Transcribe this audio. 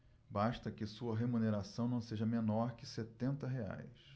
basta que sua remuneração não seja menor que setenta reais